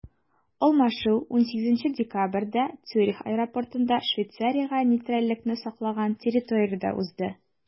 Алмашу 18 декабрьдә Цюрих аэропортында, Швейцариягә нейтральлекне саклаган территориядә узды.